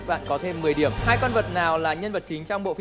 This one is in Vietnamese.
bạn có thêm mười điểm hai con vật nào là nhân vật chính trong bộ